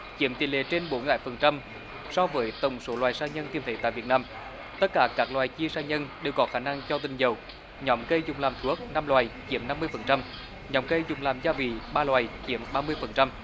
chiếm tỷ lệ trên bốn mươi bảy phần trăm so với tổng số loài sa nhân tìm thấy tại việt nam tất cả các loài chi sa nhân đều có khả năng cho tinh dầu nhóm cây dùng làm thuốc năm loài chiếm năm mươi phần trăm nhóm cây dùng làm gia vị ba loài chiếm ba mươi phần trăm